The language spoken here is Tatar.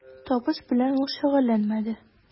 Табыш белән ул шөгыльләнмәде.